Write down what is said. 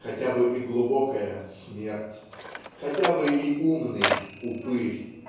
хотя бы и глубокая Смерть хотя бы и умный Упырь